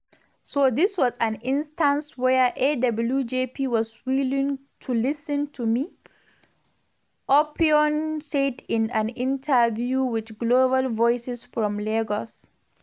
So this was an instance where AWJP was willing to listen to me,” Offiong said in an interview with Global Voices from Lagos.